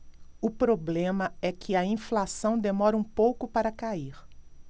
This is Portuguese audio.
o problema é que a inflação demora um pouco para cair